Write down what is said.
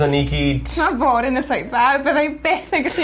...a ni gyd... Prynawn fory yn y swyddfa byddai byth yn gallu...